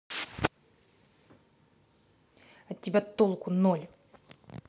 от тебя толку ноль